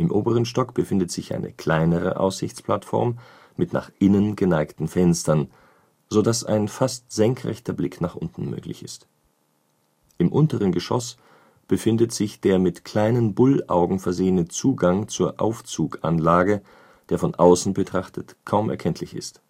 oberen Stock befindet sich eine kleinere Aussichtsplattform mit nach innen geneigten Fenstern, so dass ein fast senkrechter Blick nach unten möglich ist. Im unteren Geschoss befindet sich der mit kleinen Bullaugen versehene Zugang zur Aufzuganlage, der von Außen betrachtet kaum erkenntlich ist